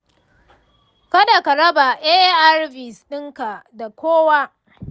ka da ka raba arvs ɗinka da kowa.